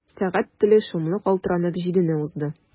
Сәгать теле шомлы калтыранып җидене узды.